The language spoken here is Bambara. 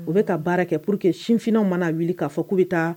U bɛ ka baara kɛ pour que sifinnenw mana wuli k'a fɔ k'u bɛ taa